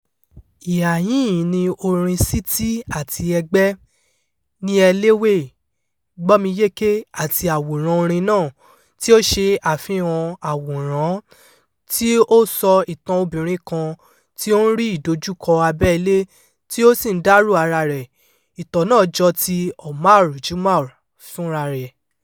Híhàyín ni orin Siti àti Ẹgbẹ́ “Nielewe” (“Gbó mi yéké”) àti àwòrán orin náà, tí ó ṣe àfihàn-an àwòrán-an, tí ó sọ ìtàn obìnrin kan tí ó ń rí ìdojúkọ abẹ̀-ilé, tí ó sì ń dárò ara rẹ̀. Ìtàn náà jọ ti Omar Juma fúnra rẹ̀: